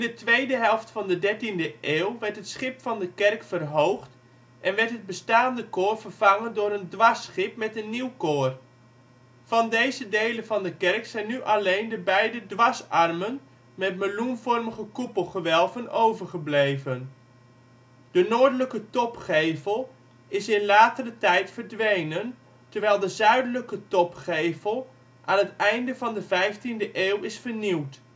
tweede helft van de dertiende eeuw werd het schip van de kerk verhoogd en werd het bestaande koor vervangen door een dwarsschip met een nieuw koor. Van deze delen van de kerk zijn nu alleen de beide dwarsarmen met meloenvormige koepelgewelven overgebleven. De noordelijke topgevel is in latere tijd verdwenen, terwijl de zuidelijke topgevel aan het einde van de vijftiende eeuw is vernieuwd